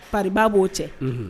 Fa b'o cɛ